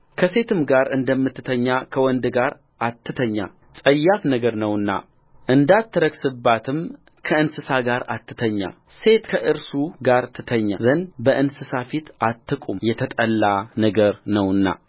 ከሴትም ጋር እንደምትተኛ ከወንድ ጋር አትተኛ ጸያፍ ነገር ነውናእንዳትረክስባትም ከእንሰሳ ጋር አትተኛ ሴት ከእርሱ ጋር ትተኛ ዘንድ በእንስሳ ፊት አትቁም የተጠላ ነገር ነውና